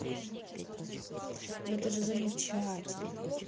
ну это же замечательно